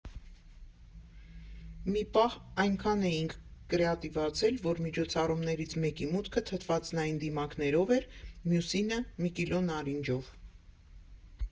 Մի պահ այնքան էինք կրեատիվացել, որ միջոցառումներից մեկի մուտքը թթվածնային դիմակներով էր, մյուսինը՝ մի կիլո նարինջով։